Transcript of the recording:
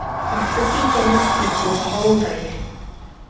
Артып киткәне сүз булып авылда йөри.